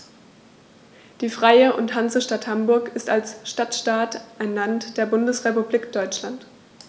Die Freie und Hansestadt Hamburg ist als Stadtstaat ein Land der Bundesrepublik Deutschland.